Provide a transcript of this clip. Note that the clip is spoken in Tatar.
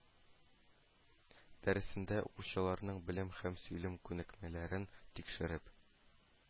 Дəресендə укучыларның белем һəм сөйлəм күнекмəлəрен тикшереп